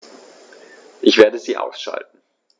Ich werde sie ausschalten